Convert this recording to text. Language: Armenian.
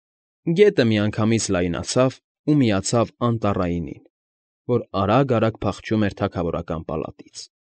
Գետը միանգամից լայնացավ ու միացավ Անտառայինին, որ արագ֊արագ փախչում էր թագավորական պալատից։